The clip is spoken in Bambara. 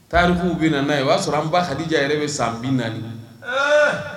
Tarikuw bɛ n'a ye o y'a sɔrɔ an ba hadija yɛrɛ bɛ san bi naani